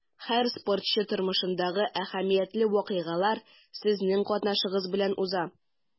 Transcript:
Һәр спортчы тормышындагы әһәмиятле вакыйгалар сезнең катнашыгыз белән уза.